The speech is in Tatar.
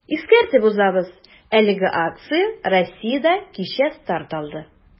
Искәртеп узабыз, әлеге акция Россиядә кичә старт алды.